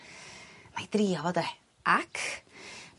'nai drio fo 'de. Ac